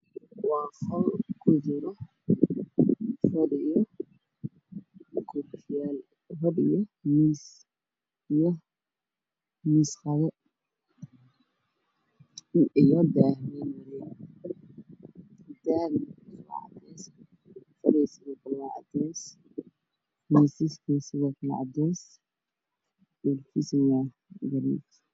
Waa qol ay ku jiraan miisaska qadada iyo kuraas cadaan ah